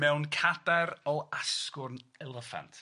Mewn cadar o asgwrn eleffant.